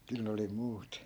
kyllä ne oli muut